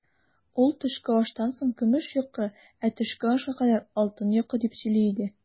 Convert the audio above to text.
Ул, төшке аштан соң көмеш йокы, ә төшке ашка кадәр алтын йокы, дип сөйли иде.